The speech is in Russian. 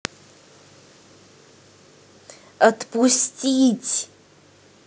отпустить